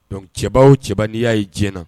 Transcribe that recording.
Dɔnkuc cɛba cɛbaya ye diɲɛ na